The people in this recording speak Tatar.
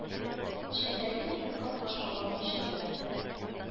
Челтәрле тимер капка шаулап ачылды.